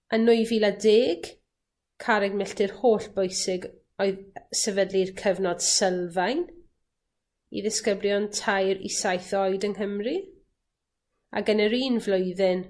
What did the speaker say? Yn nwy fil a deg carreg milltir holl bwysig oedd yy sefydlu'r cyfnod sylfaen i ddisgyblion tair i saith oed yng Nghymru, ag yn yr un flwyddyn